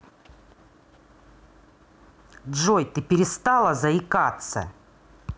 джой ты перестала заикаться